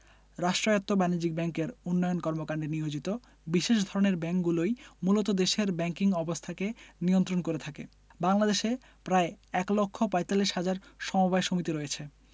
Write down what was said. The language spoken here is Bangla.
রাষ্ট্রায়ত্ত বাণিজ্যিক ব্যাংক এবং উন্নয়ন কর্মকান্ডে নিয়োজিত বিশেষ ধরনের ব্যাংকগুলোই মূলত দেশের ব্যাংকিং ব্যবস্থাকে নিয়ন্ত্রণ করে থাকে বাংলাদেশে প্রায় এক লক্ষ পয়তাল্লিশ হাজার সমবায় সমিতি রয়েছে